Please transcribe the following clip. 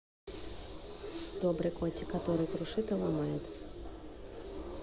добрый котик который крушит и ломает